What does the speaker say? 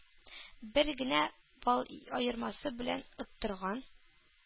Бер генә балл аермасы белән оттырган.